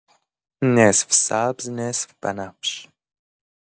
نصف سبز نصف بنفش